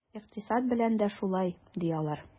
Икътисад белән дә шулай, ди алар.